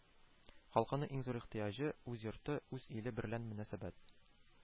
Халкының иң зур ихтыяҗы: үз йорты, үз иле берлән мөнәсәбәт